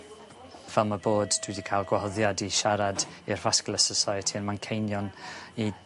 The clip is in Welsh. Fel ma' bod dwi 'di ca'l gwahoddiad i siarad i'r Vascular Society ym Manceinion i